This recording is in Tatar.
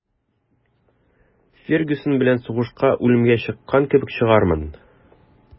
«фергюсон белән сугышка үлемгә чыккан кебек чыгармын»